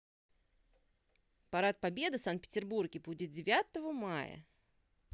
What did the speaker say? парад победы в санкт петербурге будет девятого мая